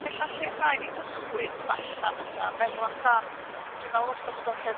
ella lle da i ni gychwyn falla fysa meddwl amdan dwi feddwl wastad bod o'n lle